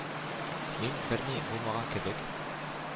Мин, берни булмаган кебек,